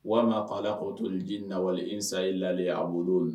Walima'a la' toli ji nawale insayi la a bolo